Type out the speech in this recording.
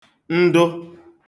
ndụ